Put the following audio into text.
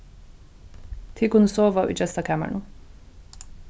tit kunnu sova í gestakamarinum